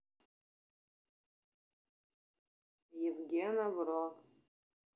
евгена бро